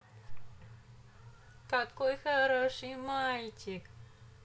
какой хороший мальчик